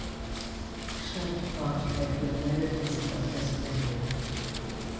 Շատ բարդ էր ֆիլմերը ֆիզիկապես բերելը։